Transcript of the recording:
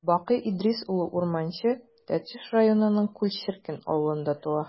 Бакый Идрис улы Урманче Тәтеш районының Күл черкен авылында туа.